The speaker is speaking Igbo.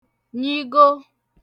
nyigo